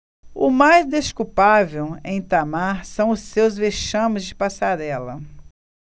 o mais desculpável em itamar são os seus vexames de passarela